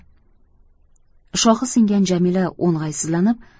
shoxi singan jamila o'ng'aysizlanib